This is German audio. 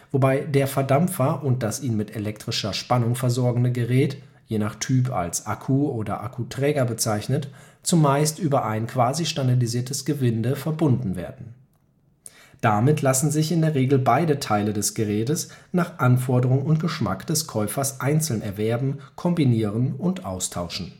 wobei der Verdampfer und das ihn mit elektrischer Spannung versorgene Gerät – je nach Typ als Akku oder Akkuträger bezeichnet – zumeist über ein quasistandardiersiertes Gewinde verbunden werden. Damit lassen sich in der Regel beide Teile des Gerätes nach Anforderung und Geschmack des Käufers einzeln erwerben, kombinieren und austauschen